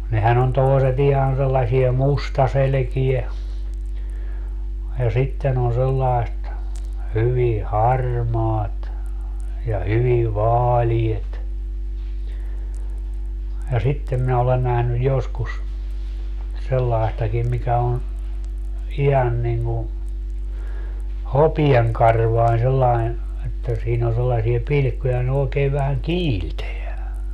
nehän on toiset ihan sellaisia mustaselkiä ja sitten on sellaiset hyvin harmaat ja hyvin vaaleat ja sitten minä olen nähnyt joskus sellaistakin mikä on ihan niin kuin hopeankarvainen sellainen että siinä on sellaisia pilkkuja ne oikein vähän kiiltää